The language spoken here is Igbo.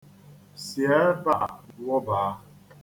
Si ebe a wụbaa.